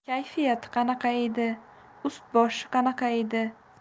kayfiyati qanaqa edi ust boshi qanaqa edi